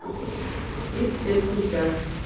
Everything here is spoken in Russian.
тридцать лет спустя